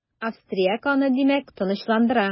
Австрияк аны димәк, тынычландыра.